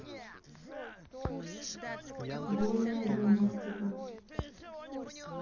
голая гимнастка